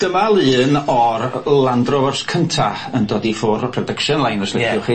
Dyma lun o'r Land Rovers cynta yn dod i ffwr' production line os liciwch chi.